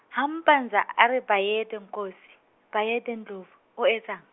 ha Mpanza a re, Bayede Nkosi, Bayede Ndlovu, o etsang?